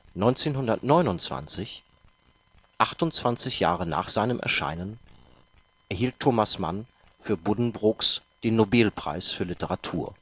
1929, 28 Jahre nach seinem Erscheinen, erhielt Thomas Mann für Buddenbrooks den Nobelpreis für Literatur